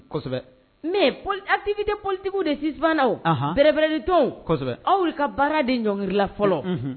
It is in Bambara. Mɛ poli apibite politigiw de sibanna bereɛrɛbnent aw ka baara de ɲɔngri la fɔlɔ